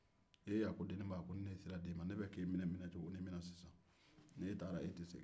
eh a ko deninba a ko ni ne ye sira di e ma ne bɛ ka e minɛ minɛcogonin miin na sisan ni e taara e tɛ segin